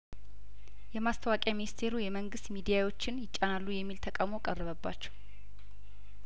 የማስታወቂያ ሚኒስቴሩ የመንግስት ሚዲያዎችን ይጫናሉ የሚል ተቃውሞ ቀረበባቸው